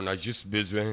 On a juste besoin